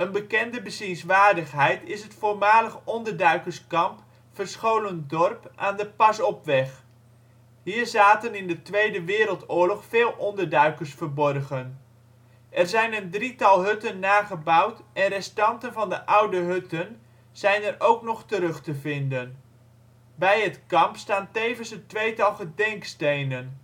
bekende bezienswaardigheid is het voormalig onderduikerskamp " Verscholen Dorp " aan de Pas-opweg. Hier zaten in de Tweede Wereldoorlog veel onderduikers verborgen. Er zijn een drietal hutten nagebouwd en restanten van de oude hutten zijn er ook nog terug te vinden. Bij het kamp staan tevens een tweetal gedenkstenen